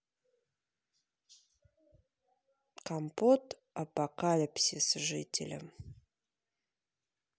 компот апокалипсис жителям